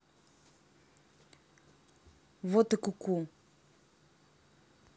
вот и ку ку